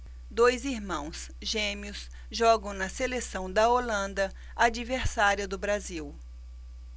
dois irmãos gêmeos jogam na seleção da holanda adversária do brasil